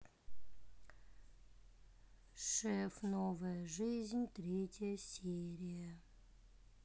шеф новая жизнь третья серия